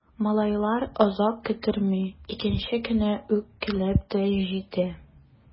Малайлар озак көттерми— икенче көнне үк килеп тә җитә.